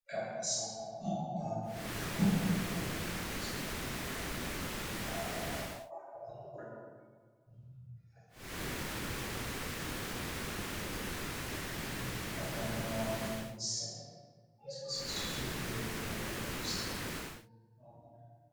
Dadkan waxaa yaallo sariir jiif ah oo qurux badan oo saaran yahay dooracdaan midabkeedu waa qaxwi waxaana geysaa ka jiro farmaajooyin